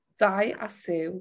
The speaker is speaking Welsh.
Dai a Siw.